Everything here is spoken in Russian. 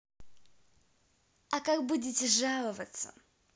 а как будете жаловаться